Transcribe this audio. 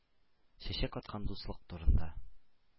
Чәчәк аткан дуслык турында.